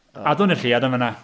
Adwn ni'r Lleuad yn fan'na.